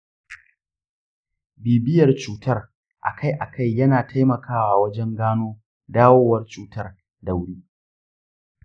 bibiyar cutar akai-akai yana taimakawa wajen gano dawowar cutar da wuri.